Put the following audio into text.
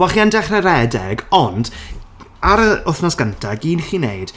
Wel, chi yn dechrau rhedeg ond ar y wythnos gynta, gyd chi'n wneud...